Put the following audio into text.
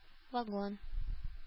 Вагон